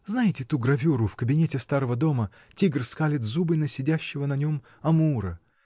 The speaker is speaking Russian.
Знаете ту гравюру, в кабинете старого дома: тигр скалит зубы на сидящего на нем амура?